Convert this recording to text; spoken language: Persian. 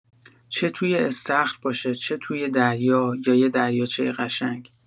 چه توی استخر باشه، چه توی دریا یا یه دریاچه قشنگ.